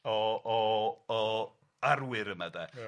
O o o arwyr yma de. Ia.